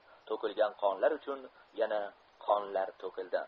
to'kilgan qogiar uchun yana qonlar to'kildi